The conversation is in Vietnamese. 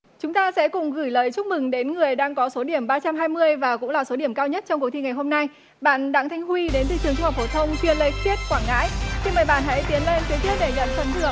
chúng ta sẽ cùng gửi lời chúc mừng đến người đang có số điểm ba trăm hai mươi và cũng là số điểm cao nhất trong cuộc thi ngày hôm nay bạn đặng thanh huy đến từ trường trung học phổ thông chuyên lê khiết quảng ngãi xin mời bạn hãy tiến lên phía trước để nhận phần thưởng